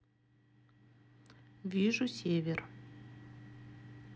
вижу сервер